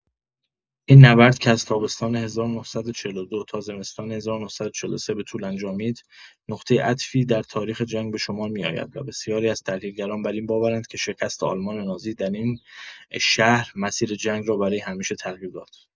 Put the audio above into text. این نبرد که از تابستان ۱۹۴۲ تا زمستان ۱۹۴۳ به طول انجامید، نقطه عطفی در تاریخ جنگ به شمار می‌آید و بسیاری از تحلیلگران بر این باورند که شکست آلمان نازی در این شهر مسیر جنگ را برای همیشه تغییر داد.